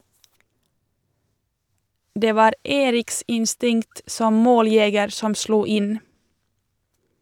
- Det var Eriks instinkt som måljeger som slo inn.